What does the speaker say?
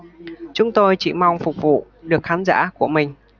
chúng tôi chỉ mong phục vụ được khán giả của mình